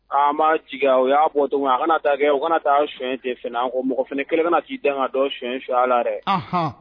Ma o y'ato a kana taa kɛ o kana taa son cɛna ko mɔgɔ fana kelen kana si dan ka dɔn sonfɛ ala la dɛ